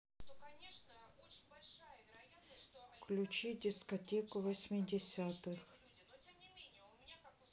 включи дискотеку восьмидесятых